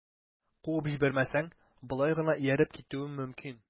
Куып җибәрмәсәң, болай гына ияреп китүем мөмкин...